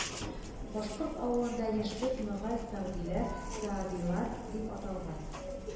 Башкорт авылында яшьлек мөгалсәгъдиләр, саадилар” дип аталган